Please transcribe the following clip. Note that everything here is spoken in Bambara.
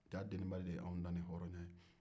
jaa deniba de y'anw dan ni hɔrɔnya ye